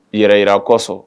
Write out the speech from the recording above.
Yɛrɛ yira kosɔn